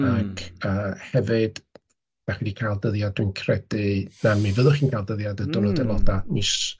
Ac hefyd, dach chi wedi cael dyddiad, dwi'n credu... na, mi fyddwch chi'n cael dyddiad y diwrnod aelodau.